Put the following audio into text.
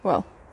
wel,